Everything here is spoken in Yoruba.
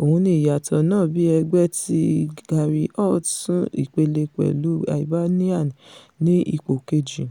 ohun ni ìyàtọ̀ náà bí ẹgbẹ́ ti Gary Holt sún ipele pẹ̀lú Hibernian ní ipò keji.